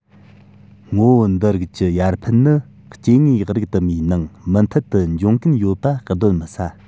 ངོ བོ འདི རིགས ཀྱི ཡར འཕར ནི སྐྱེ དངོས རིགས དུ མའི ནང མུ མཐུད དུ འབྱུང གིན ཡོད པ གདོན མི ཟ